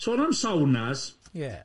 Sôn am saunas. Ie?